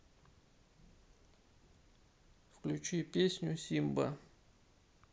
включи песню симба